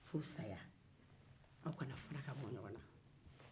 fo saya aw kana fara ka bɔ ɲɔgɔn na